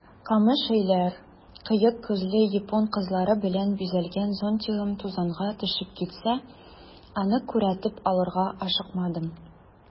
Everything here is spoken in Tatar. Камыш өйләр, кыек күзле япон кызлары белән бизәлгән зонтигым тузанга төшеп китсә, аны күтәреп алырга ашыкмадым.